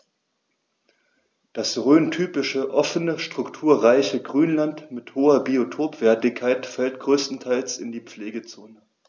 Das rhöntypische offene, strukturreiche Grünland mit hoher Biotopwertigkeit fällt größtenteils in die Pflegezone.